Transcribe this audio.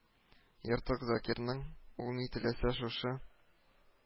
Ертык Закирның ул ни теләсә шушы